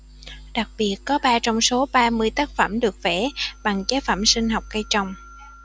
đặc biệt có ba trong số ba mươi tác phẩm được vẽ bằng chế phẩm sinh học cây trồng